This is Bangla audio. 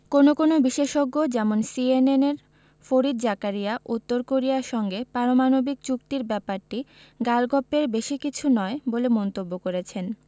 কোনো কোনো বিশেষজ্ঞ যেমন সিএনএনের ফরিদ জাকারিয়া উত্তর কোরিয়ার সঙ্গে পারমাণবিক চুক্তির ব্যাপারটি গালগপ্পের বেশি কিছু নয় বলে মন্তব্য করেছেন